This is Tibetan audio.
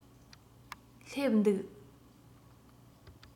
སླེབས འདུག